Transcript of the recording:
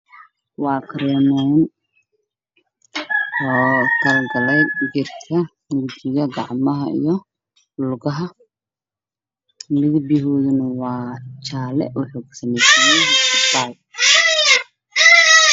Waa kareemo lugu talagalay wajiga, gacmaha iyo lugaha midabkiisu waa jaale waxuu kasameysan yahay babaay.